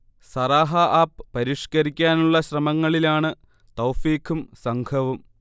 Sarahah app പരിഷ്കരിക്കാനുള്ള ശ്രമങ്ങളിലാണ് തൗഫീഖും സംഘവും